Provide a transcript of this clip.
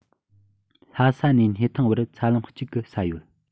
ལྷ ས ནས སྙེ ཐང བར ཚ ལམ གཅིག གི ས ཡོད